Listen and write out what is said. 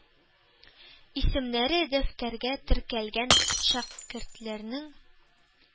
Исемнәре дәфтәргә теркәлгән шәкертләрнең